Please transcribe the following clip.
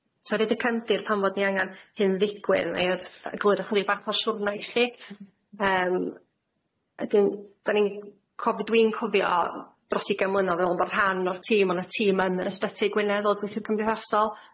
So roid y cefndir pan fod ni angan hyn ddigwydd neu'r y- egluro chydig bach o'r siwrna i chi yym ydyn dyn ni'n cof- dwi'n cofio dros ugain mlynodd nôl bo' rhan o'r tîm o' na tîm yn yr ysbyty i Gwynedd fel gweithio cymdeithasol.